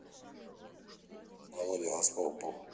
володя господь бог